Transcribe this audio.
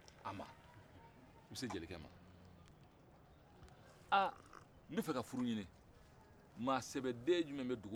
aaa n bɛ ka furu ɲini maasɛbɛden jumɛ bɛ dugu kɔnɔ yan ni e b'o dɔn